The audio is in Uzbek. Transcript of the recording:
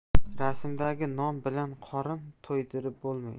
rasmdagi non bilan qorin to'ydirib bo'lmaydi